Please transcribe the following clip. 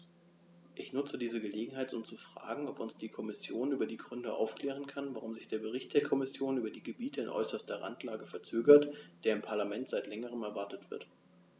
Ich nutze diese Gelegenheit, um zu fragen, ob uns die Kommission über die Gründe aufklären kann, warum sich der Bericht der Kommission über die Gebiete in äußerster Randlage verzögert, der im Parlament seit längerem erwartet wird.